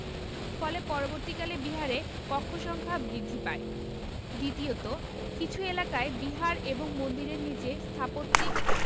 ফলে পরবর্তীকালে বিহারে কক্ষ সংখ্যা বৃদ্ধি পায় দ্বিতীয়ত কিছু এলাকায় বিহার এবং মন্দিরের নিচে স্থাপত্যিক